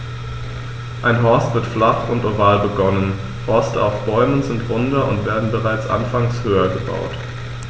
Ein Horst wird flach und oval begonnen, Horste auf Bäumen sind runder und werden bereits anfangs höher gebaut.